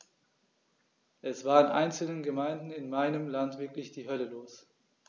Es war in einzelnen Gemeinden in meinem Land wirklich die Hölle los.